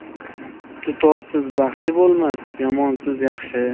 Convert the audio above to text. dutorsiz baxshi bo'lmas yomonsiz yaxshi